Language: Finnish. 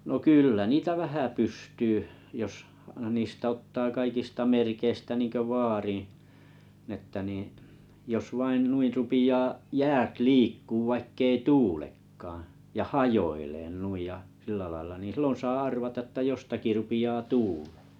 no kyllä niitä vähän pystyy jos niistä ottaa kaikista merkeistä niin kuin vaarin niin että niin jos vain noin rupeaa jäät liikkumaan vaikka ei tuulekaan ja hajoilemaan noin ja sillä lailla niin silloin saa arvata että jostakin rupeaa tuulemaan